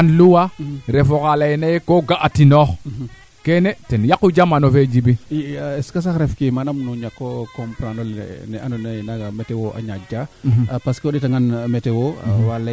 sereer ale am goond kaa yaqa nar a betandax fata ref neete saxit ina yaam betan we awaa wetan wa tinel